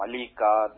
Hali ka